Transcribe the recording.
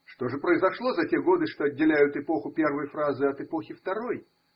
Что же произошло за те годы, что отделяют эпоху первой фразы от эпохи второй?